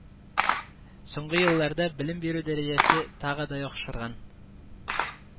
Соңгы елларда белем бирү дәрәҗәсе тагы да яхшырган